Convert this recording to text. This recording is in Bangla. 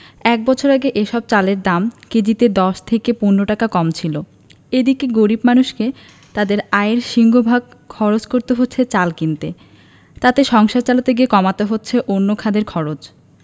এক বছর আগে এসব চালের দাম কেজিতে ১০ থেকে ১৫ টাকা কম ছিল এদিকে গরিব মানুষকে তাঁদের আয়ের সিংহভাগ খরচ করতে হচ্ছে চাল কিনতে তাতে সংসার চালাতে গিয়ে কমাতে হচ্ছে অন্য খাতের খরচ